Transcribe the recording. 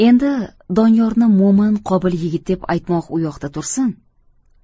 endi doniyorni mo'min qobil yigit deb aytmoq u yoqda tursin